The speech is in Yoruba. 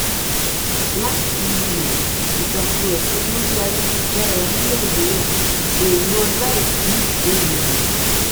Láti ilẹ̀, ìtàkùrọ̀sọ lórí ayélujára ní Nàìjíríà kò lọ láì sí ìkórìíra.